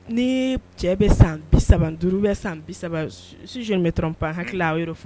Ni cɛ bɛ san 35 ou bien san 30 je me trompe hakilila a y'o de fɔ.